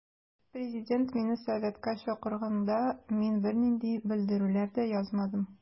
Президент мине советка чакырганда мин бернинди белдерүләр дә язмадым.